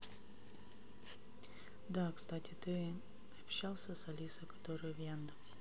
да кстати ты общался с алисой который в яндексе